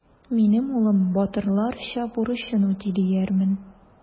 Минем улым батырларча бурычын үти диярмен.